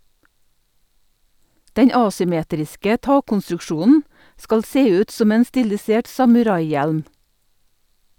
Den asymmetriske takkonstruksjonen skal se ut som en stilisert samuraihjelm.